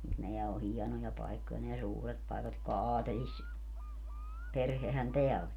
mutta nämä on hienoja paikkoja nämä suuret paikat jotka - aatelisperhehän tämä oli